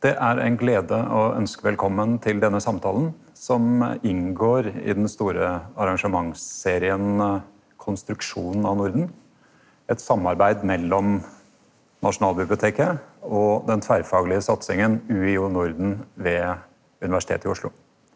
det er ein glede å ønska velkommen til denne samtalen som inngår i den store arrangementsserien Konstruksjonen av Norden eit samarbeid mellom Nasjonalbiblioteket og den tverrfaglege satsinga UiO Norden ved Universitetet i Oslo.